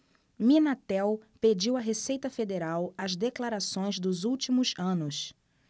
minatel pediu à receita federal as declarações dos últimos anos